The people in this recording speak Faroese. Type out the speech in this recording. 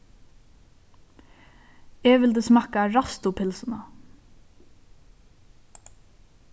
eg vildi smakka ræstu pylsuna